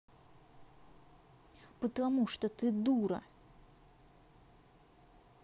потому что ты дура